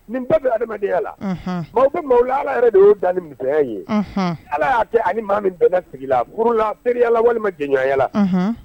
Nin ba bɛ adamadenyaya la mɔgɔw maaw ala yɛrɛ de y'o dan ni miya ye ala y'a tɛ ani maa min bɛnɛsigilala teriereyala walima gɛnɲɔgɔnyala